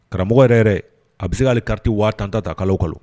Karamɔgɔ yɛrɛ yɛrɛ a bɛ se k'ale kariti waa tan ta ta kalo kɔnɔ